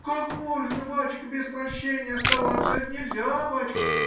— Как можно, бачка, без прощения оставаться! Это нельзя, бачка.